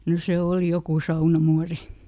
no se oli joku saunamuori